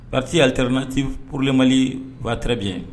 Pati'ter n nati porolenmali waarɛbi yen